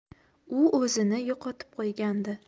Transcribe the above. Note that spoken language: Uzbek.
u o'zini yo'qotib qo'ygandi